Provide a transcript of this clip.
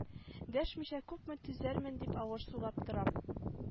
Дәшмичә күпме түзәрмен дип авыр сулап торам